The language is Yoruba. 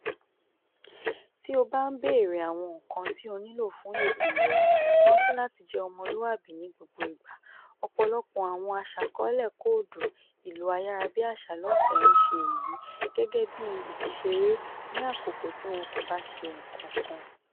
Tí ó bá ń béèrè àwọn nǹkan tí o nílò fún èdè rẹ, rántí láti jẹ́ ọmọlúwàbí ní gbogbo ìgbà - ọ̀pọ̀lọpọ̀ àwọn aṣàkọ́ọ́lẹ̀ kóòdù ìlò ayárabíàsá lọ́fẹ̀ẹ́ ń ṣe èyí gẹ́gẹ́ bíi ìfiṣeré ní àkọ́kọ́ tí wọ́n kò bá ṣe nǹkankan.